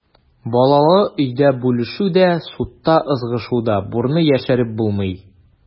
Балалы өйдә бүлешү дә, судта ызгышу да, бурны яшереп булмый.